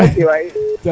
iyo merci waay